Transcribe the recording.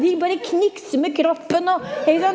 de bare knikser med kroppen og ikke sant.